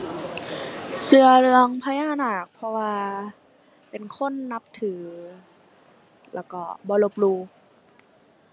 เชื่อเรื่องพญานาค เพราะว่าเป็นคนนับถือแล้วก็บ่ลบหลู่